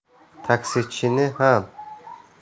taksichini ham